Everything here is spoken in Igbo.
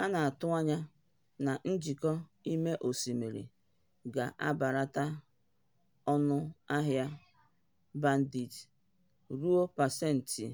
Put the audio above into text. A na-atụ anya na njikọ ime osimiri ga-ebelata ọnụahịa bandwit ruo pasenti